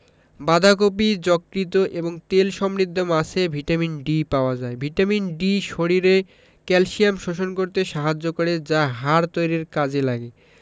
বাঁধাকপি যকৃৎ এবং তেল সমৃদ্ধ মাছে ভিটামিন ডি পাওয়া যায় ভিটামিন ডি শরীরে ক্যালসিয়াম শোষণ করতে সাহায্য করে যা হাড় তৈরীর কাজে লাগে